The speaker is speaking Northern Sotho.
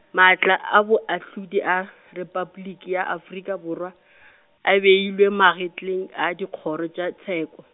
maatla a boahlodi a, Repabliki ya Afrika Borwa , a beilwe magetleng a dikgoro tša tsheko.